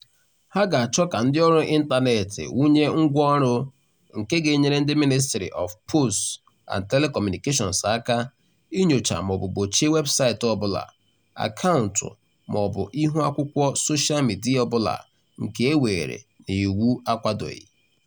Ha ga-achọ ka ndịọrụ ịntaneetị wụnye ngwanro nke ga-enyere ndị Ministry of Posts and Telecommunications aka "inyocha maọbụ gbochie weebụsaịtị ọbụla, akaụntụ maọbụ ihuakwụkwọ soshal midịa ọbụla nke e weere na iwu akwadoghị".